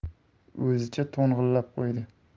o'zicha to'ng'illab qo'ydi